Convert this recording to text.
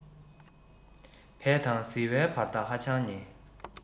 བད དང ཟིལ བའི བར ཐག ཧ ཅང ཉེ